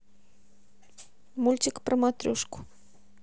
мультик про матрешку